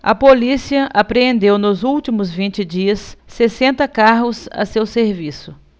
a polícia apreendeu nos últimos vinte dias sessenta carros a seu serviço